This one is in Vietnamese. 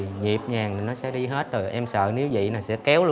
thì nhịp nhàng rồi nó sẽ đi hết rồi em sợ nếu vậy là sẽ kéo luôn